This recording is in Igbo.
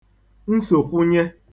nsòkwụnye